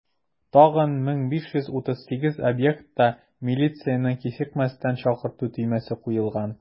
Тагын 1538 объектта милицияне кичекмәстән чакырту төймәсе куелган.